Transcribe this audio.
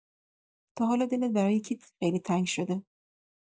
تا حالا دلت برای کی خیلی تنگ شده؟